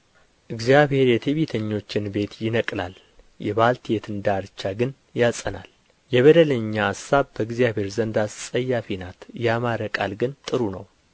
እግዚአብሔር የትዕቢተኞች ቤት ይነቅላል የባልቴትን ዳርቻ ግን ያጸናል የበደለኛ አሳብ በእግዚአብሔር ዘንድ አስጸያፊ ናት ያማረ ቃል ግን ጥሩ ነው